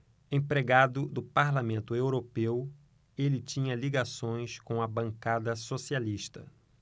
empregado do parlamento europeu ele tinha ligações com a bancada socialista